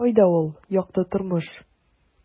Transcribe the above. Кайда ул - якты тормыш? ..